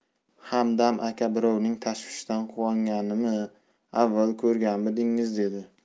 hamdam aka birovning tashvishidan quvonganimni avval ko'rganmidingiz dedi